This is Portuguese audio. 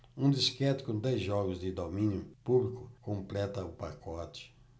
um disquete com dez jogos de domínio público completa o pacote